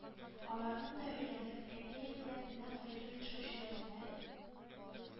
Аларның да өйләнеп, әти-әниләреннән аерым яшәүчеләренә,